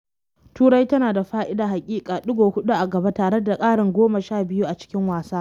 Turai tana da fa’ida, haƙiƙa, digo huɗu a gaba tare da ƙarin goma sha biyu a cikin wasa.